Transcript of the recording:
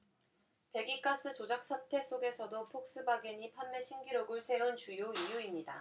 배기가스 조작사태 속에서도 폭스바겐이 판매 신기록을 세운 주요 이유입니다